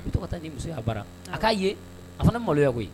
U tɔgɔ taa musoya bara a k'a ye a fana maloya koyi